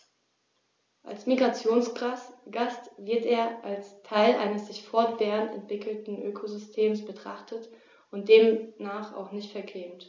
Als Migrationsgast wird er als Teil eines sich fortwährend entwickelnden Ökosystems betrachtet und demnach auch nicht vergrämt.